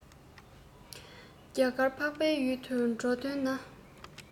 རྒྱ གར འཕགས པའི ཡུལ དུ འགྲོ འདོད ན